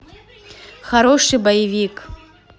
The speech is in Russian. хороший боевик